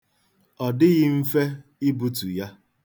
Ọ dịghị mfe ibutu ya.